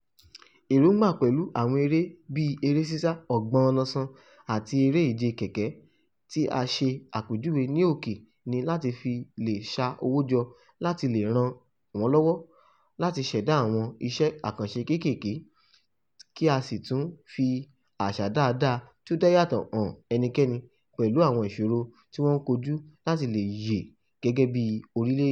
Èròńgbà pẹ̀lú àwọn eré bíi eré sísá onígbọnansan àti eré ìje kẹ̀kẹ́ tí a ṣe àpèjúwe ní òkè ni láti fi lè ṣa owó jọ láti lè ràn wọ́n lọ́wọ́ láti ṣẹ̀dá àwọn iṣẹ́ àkànṣe kéékéèké kí á sì tún fi àṣà dáadáa tí ó dá yàtọ̀ han ẹnikẹ́ni, pẹ̀lú àwọn ìṣòro tí wọ́n kojú láti yè gẹ́gẹ́ bíi orílẹ̀.